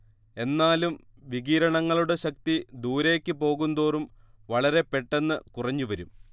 എന്നാലും വികിരണങ്ങളുടെ ശക്തി ദൂരേയ്ക്ക് പോകുന്തോറും വളരെപ്പെട്ടെന്ന് കുറഞ്ഞുവരും